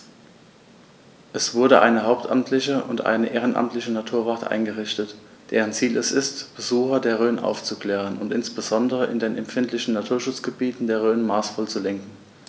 Es wurde eine hauptamtliche und ehrenamtliche Naturwacht eingerichtet, deren Ziel es ist, Besucher der Rhön aufzuklären und insbesondere in den empfindlichen Naturschutzgebieten der Rhön maßvoll zu lenken.